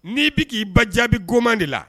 N'i bɛ k'i ba jaabikoman de la